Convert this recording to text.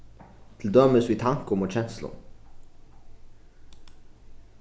til dømis við tankum og kenslum